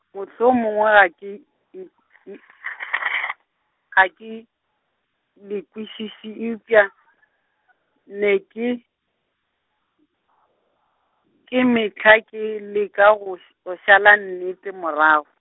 mohlomongwe ga ke n- n-, ga ke, le -kwešiši eupša, ne ke, ke mehla ke leka go š-, o šala nnete morago.